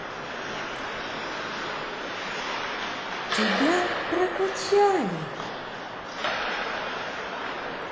тебя прокачали